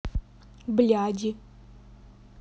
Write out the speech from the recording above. бляди